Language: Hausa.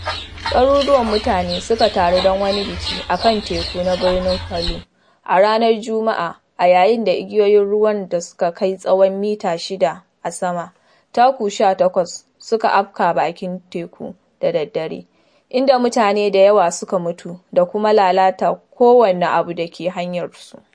Ɗaruruwan mutane suka taru don wani biki a kan teku na birnin Palu a ranar Juma’a a yayin da igiyoyin ruwan da suka kai tsawon mita shida a sama (taku 18) suka afka bakin teku da dare, inda mutane da yawa suka mutu da kuma lalata kowane abu da ke hanyarsu.